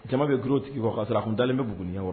Jama bɛ gtigi bɔ k kaa sɔrɔra kun dalen bɛ buguuguni ɲɛ wa